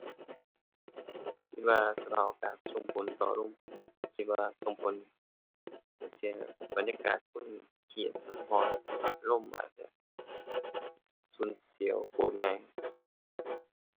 คิดว่าสภาพอากาศส่งผลต่ออารมณ์คน คิดว่าส่งผล บางเที่ยบรรยากาศคนเครียด มันร้อน อารมณ์อาจจะฉุนเฉียว โกรธง่าย